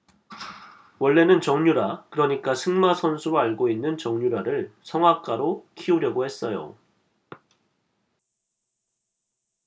원래는 정유라 그러니까 승마 선수로 알고 있는 정유라를 성악가로 키우려고 했어요